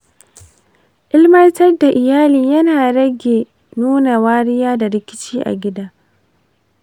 ilimantar da iyali yana rage nuna wariya da rikici a gida.